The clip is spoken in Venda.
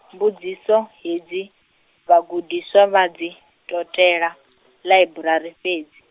mbudziso hedzi, vhagudiswa vha dzi, ṱolela, ḽaiburari fhedzi.